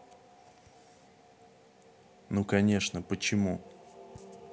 ну конечно почему